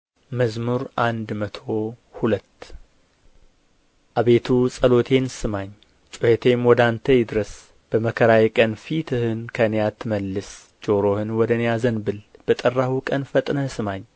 መዝሙር መቶ ሁለት አቤቱ ጸሎቴን ስማኝ ጩኸቴም ወደ አንተ ይድረስ በመከራዬ ቀን ፊትህን ከኔ አትመልስ ጆሮህን ወደ እኔ አዘንብል በጠራሁህ ቀን ፈጥነህ ስማኝ